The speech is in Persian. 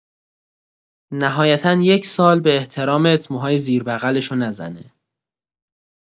نهایتا یک سال به احترامت موهای زیر بغلشو نزنه.